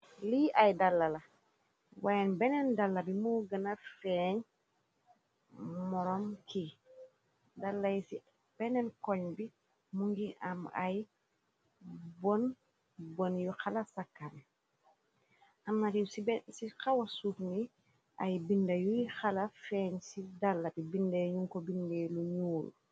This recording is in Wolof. lii ay dallala wayen beneen dallar yimoo gëna feeñ morom ki dalay c beneen koñ bi mu ngi am ay bon bon yu xala sakan amnayu ci xawa suuf ni ay binde yuy xala feeñ ci dallari binde yuñ ko bindee lu ñuuru